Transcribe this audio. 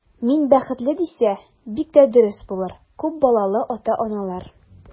Мин бәхетле, дисә, бик тә дөрес булыр, күп балалы ата-аналар.